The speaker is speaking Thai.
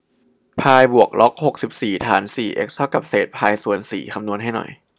พายบวกล็อกหกสิบสี่ฐานสี่เอ็กซ์เท่ากับเศษพายส่วนสี่คำนวณให้หน่อย